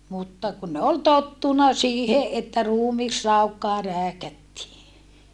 mutta kun ne oli tottunut siihen että ruumisraukkaa rääkättiin